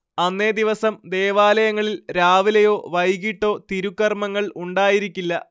അന്നേ ദിവസം ദേവാലയങ്ങളിൽ രാവിലെയോ വൈകീട്ടോ തിരുക്കർമ്മങ്ങൾ ഉണ്ടായിരിക്കില്ല